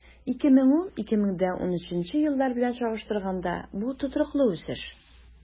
2010-2013 еллар белән чагыштырганда, бу тотрыклы үсеш.